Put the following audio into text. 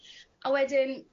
A wedyn